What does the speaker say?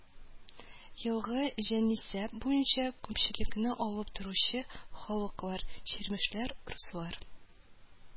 Елгы җанисәп буенча күпчелекне алып торучы халыклар: чирмешләр, руслар